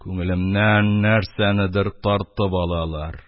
Күңелемнән нәрсәнедер тартып алалар.